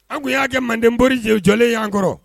An y'a kɛ mandeoliri jɛ jɔlen yan kɔrɔ